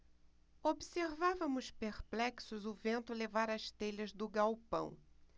observávamos perplexos o vento levar as telhas do galpão